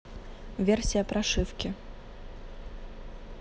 версия прошивки